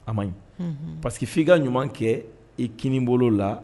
A ma ɲi parce que f'i ka ɲuman kɛ i kni bolo la